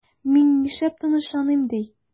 Мин нишләп тынычланыйм ди?